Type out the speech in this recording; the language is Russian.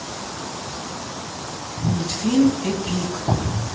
мультфильм эпик